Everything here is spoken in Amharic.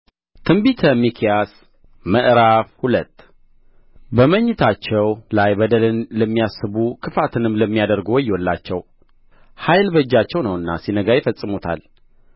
ትንቢተ ሚክያስ ምዕራፍ ሁለት በመኝታቸው ላይ በደልን ለሚያስቡ ክፋትንም ለሚያደርጉ ወዮላቸው ኃይል በእጃቸው ነውና ሲነጋ ይፈጽሙታል